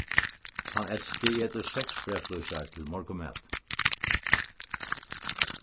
tann elsti etur seks breyðflísar til morgunmat